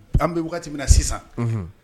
An bɛ waati wagati min na sisan